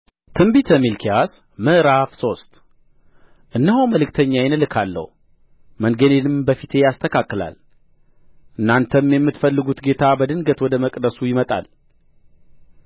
ትንቢተ ሚልክያ ምዕራፍ ሶስት እነሆ መልእክተኛዬን እልካለሁ መንገድንም በፊቴ ያስተካክላል እናንተም የምትፈልጉት ጌታ በድንገት ወደ መቅደሱ ይመጣል